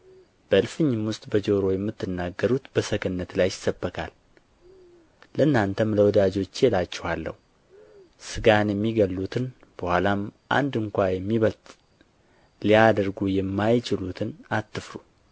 በእልፍኝም ውስጥ በጆሮ የምትናገሩት በሰገነት ላይ ይሰበካል ለእናንተም ለወዳጆቼ እላችኋለሁ ሥጋን የሚገድሉትን በኋላም አንድ ስንኳ የሚበልጥ ሊያደርጉ የማይችሉትን አትፍሩ